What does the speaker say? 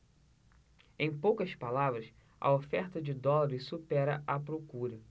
em poucas palavras a oferta de dólares supera a procura